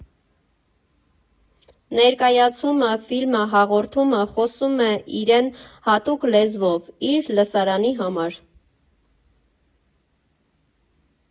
Ներկայացումը, ֆիլմը, հաղորդումը խոսում է իրեն հատուկ լեզվով՝ իր լսարանի համար։